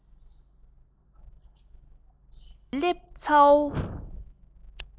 རྡོ ལེབ ཚ བོ